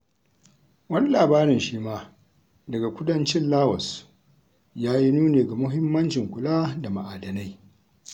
Wani labarin shi ma daga kudancin Laos ya yi nuni ga muhimmancin kula da ma'adanai: